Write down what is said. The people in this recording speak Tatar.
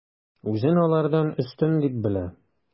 Үзен алардан өстен дип белә.